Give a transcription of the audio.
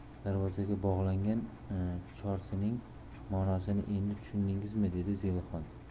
darvozaga bog'langan chorsining ma'nosini endi tushundingizmi dedi zelixon